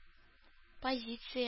Позиция